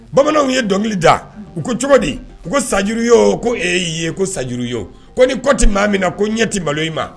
Bamananw ye dɔnkili da u ko cogodi u ko saj ye ko e y'i ye ko sajuru ye ko ni kɔti maa min na ko ɲɛ tɛ malo i ma